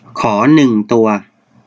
ขอหนึ่งตัว